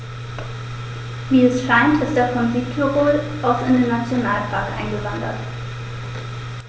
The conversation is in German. Wie es scheint, ist er von Südtirol aus in den Nationalpark eingewandert.